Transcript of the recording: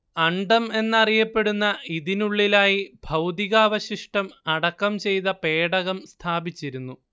അണ്ഡം എന്നറിയപ്പെടുന്ന ഇതിനുള്ളിലായി ഭൗതികാവശിഷ്ടം അടക്കം ചെയ്ത പേടകം സ്ഥാപിച്ചിരുന്നു